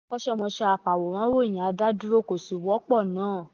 Ṣùgbọ́n, àwọn akọ́ṣẹ́mọṣẹ́ afàwòránròyìn adádúró kò sì wọ́pọ̀ náà.